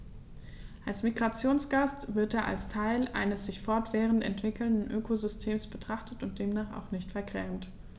Als Migrationsgast wird er als Teil eines sich fortwährend entwickelnden Ökosystems betrachtet und demnach auch nicht vergrämt.